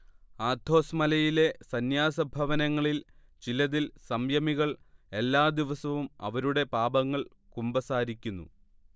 Athos മലയിലെ സന്യാസഭവനങ്ങളിൽ ചിലതിൽ സംയമികൾ എല്ലാ ദിവസവും അവരുടെ പാപങ്ങൾ കുമ്പസാരിക്കുന്നു